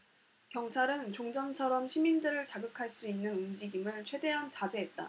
경찰은 종전처럼 시민들을 자극할 수 있는 움직임을 최대한 자제했다